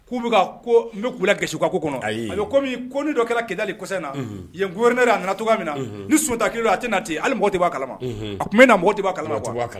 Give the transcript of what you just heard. K'u n bɛ g geseko kɔnɔ ayi a kɔmi ko ni dɔ kɛra kɛlɛdali kɔ in na yen n ne a nana to min na ni sunta kelenla a tɛ na ten hali ni mɔti b'a kalama a tun n na mɔgɔ mɔti'a kala